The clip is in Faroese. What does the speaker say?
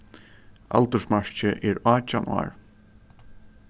aldursmarkið er átjan ár